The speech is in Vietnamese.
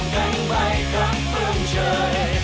trời